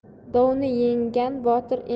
dovni yenggan botir